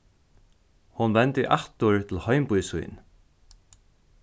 hon vendi aftur til heimbý sín